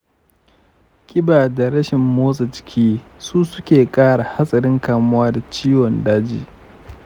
kiba da rashin motsa jiki su suke kara hatsarin kamuwa da ciwon daji.